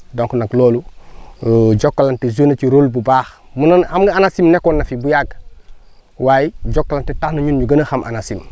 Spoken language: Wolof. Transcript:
donc nag loolu Jokalante joué na si rôle bu baax munoon xam nga ANACIM nekkoon na fi bu yàgg waaye Jokalante tax na ñun ñu gën a xam ANACIM